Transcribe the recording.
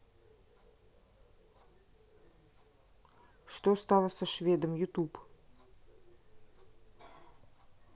что стало со шведом youtube